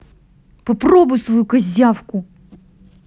попробуй свою козявку